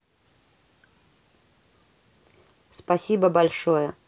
спасибо за большой